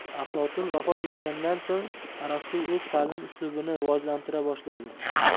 aflotun vafot etgandan so'ng arastu o'z ta'lim uslubini rivojlantira boshlaydi